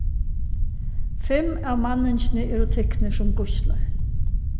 fimm av manningini eru tiknir sum gíslar